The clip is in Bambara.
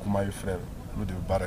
Kuma FM o de bɛ baara